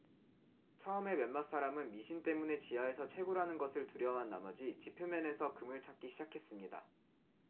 처음에 몇몇 사람은 미신 때문에 지하에서 채굴하는 것을 두려워한 나머지 지표면에서 금을 찾기 시작했습니다